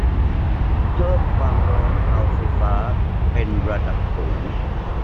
เพิ่มความร้อนเตาไฟฟ้าเป็นระดับสูง